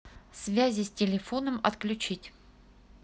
связи с телефоном отключить